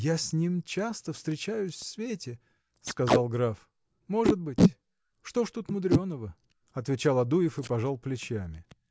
– Я с ним часто встречаюсь в свете, – сказал граф. – Может быть. Что ж тут мудреного? – отвечал Адуев и пожал плечами.